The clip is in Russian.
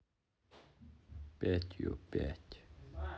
пятью пять